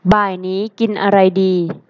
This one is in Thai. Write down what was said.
บ่ายนี้กินอะไรดี